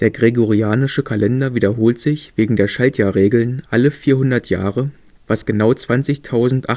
gregorianische Kalender wiederholt sich wegen der Schaltjahrregeln alle 400 Jahre, was genau 20.871